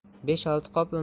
besh olti qop un